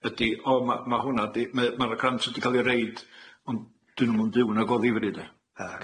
ydi o ma' ma' hwnna 'di ma' yy ma'r grant sydd di ca'l 'i reid ond 'di nw'm yn byw yna o ddifri 'de.